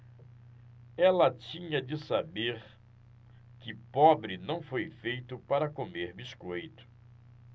ela tinha de saber que pobre não foi feito para comer biscoito